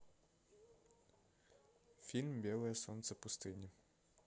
фильм белое солнце пустыни